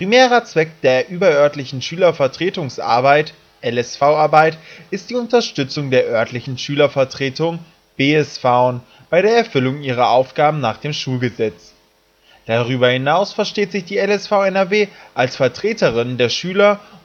Zweck der überörtlichen Schülervertretungsarbeit (LSV-Arbeit) ist die Unterstützung der örtlichen Schülervertretungen (BSVen) bei der Erfüllung ihrer Aufgaben nach dem Schulgesetz. Darüber hinaus versteht sich die LSV NRW als Vertreterin der Schüler und sieht